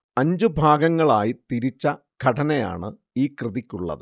അഞ്ചു ഭാഗങ്ങളായി തിരിച്ച ഘടനയാണ് ഈ കൃതിക്കുള്ളത്